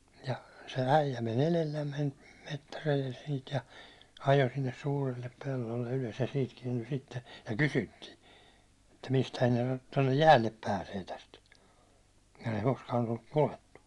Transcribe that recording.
ja se äijä meni edellämme metsäreellä siitä ja ajoi sinne suurille pellolle ylös ja siitä kääntyi sitten ja kysyttiin että mistähän tuonne jäälle pääsee tästä kun ei koskaan ollut koettu